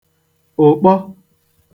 ụ̀kpọ